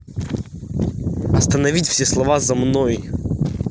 остановить все слова за мной